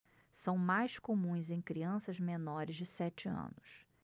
são mais comuns em crianças menores de sete anos